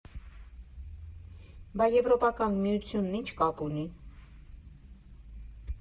Բա Եվրոպական միությու՞նն ինչ կապ ունի։